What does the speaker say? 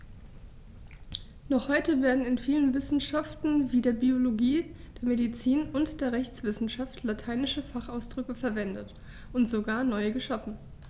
Noch heute werden in vielen Wissenschaften wie der Biologie, der Medizin und der Rechtswissenschaft lateinische Fachausdrücke verwendet und sogar neu geschaffen.